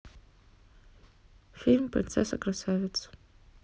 фильм принцесса красавица